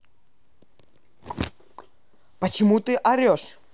почему ты орешь